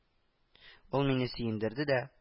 Ул мине сөендерде дә